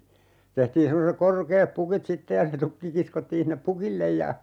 tehtiin semmoiset korkeat pukit sitten ja se tukki kiskottiin sinne pukille ja